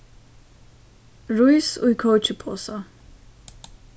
rís í kókiposa